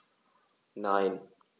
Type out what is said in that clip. Nein.